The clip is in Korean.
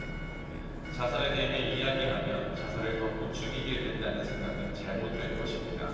자살에 대해 이야기하면 자살을 더 부추기게 된다는 생각은 잘못된 것입니다